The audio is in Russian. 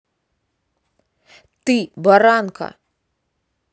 ты баранка